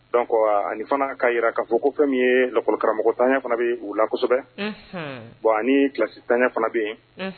Don ani fana k'a jira k ka fɔ ko fɛn min ye lakɔkaratanɲa fana bɛ u la kosɛbɛ bɔn ni kisitanɲa fana bɛ yen